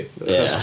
Ia.